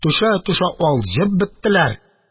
Төшә-төшә алҗып беттеләр.